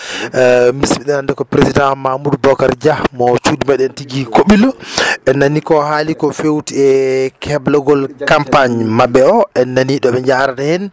bismiɗen hannde ko président Mamoudou Bocar Dia mo cuuɗi men tigi Kobɓillo en nanii ko o haali koo fewti e keblagol campagne maɓɓe oo en nanii ɗo ɓe jarata heen